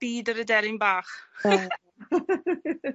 byd yr aderyn bach. Yy